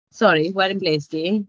Sori, wedyn ble es di?